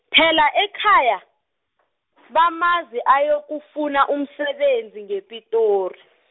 phela ekhaya, bamazi ayokufuna umsebenzi ngePitori.